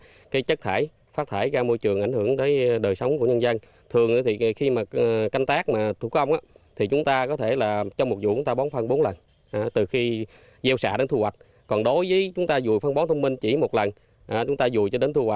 cái chất thải phát thải ra môi trường ảnh hưởng tới đời sống của nhân dân thường thì khi mà canh tác mà thủ công ớ thì chúng ta có thể là trong một ruộng chúng ta bón phân bốn lần từ khi gieo sạ đến thu hoạch còn đối với chúng ta dùi phân bón thông minh chỉ một lần chúng ta dùi cho đến thu